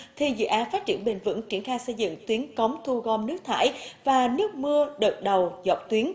thì dự án phát triển bền vững triển khai xây dựng tuyến cống thu gom nước thải và nước mưa đợt đầu dọc tuyến